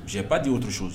Ba de' o dusu sun